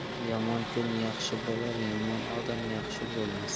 yomon kun yaxshi bolar yomon odam yaxshi bo'lmas